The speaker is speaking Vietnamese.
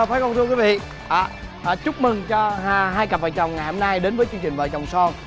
không thưa quý vị ạ chúc mừng cho hai cặp vợ chồng ngày hôm nay đến với chương trình vợ chồng son